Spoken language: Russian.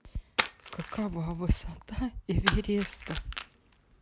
какова высота эвереста